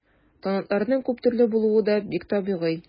Талантларның күп төрле булуы да бик табигый.